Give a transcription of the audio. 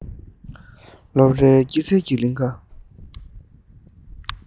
སློབ རའི སྐྱེད ཚལ གྱི གླིང ག